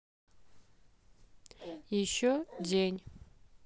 еще день